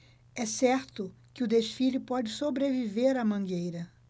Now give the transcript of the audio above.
é certo que o desfile pode sobreviver à mangueira